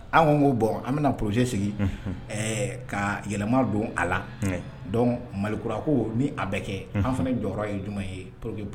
An ko k'o bɔ an bɛna poze sigi ka yɛlɛma don a la dɔn malikura a ko ni a bɛ kɛ an fana jɔyɔrɔ ye jumɛn ye pour que